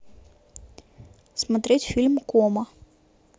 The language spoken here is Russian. смотреть фильм кома